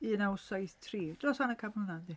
Un naw saith tri. Dros hanner can mlynedd yndi.